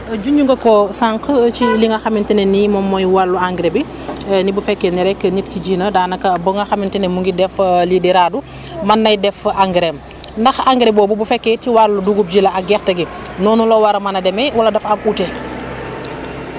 junj nga ko sànq ci li nga xamante ne ni moom mooy wàllu engrais bi ni bu fekkee ne rek nit ki ji na daanaka ba nga xamante ne mu ngi def lii di raadu mën nañ def engrais am ndax engrais boobu bu fekkee ci wàll dugub ji la ak gerte gi noonu la war a mën a demee wala dafa am uute